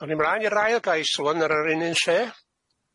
Awn ni mlaen i'r ail gais rŵan ar yr un un lle.